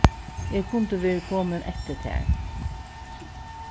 eg kundi verið komin eftir tær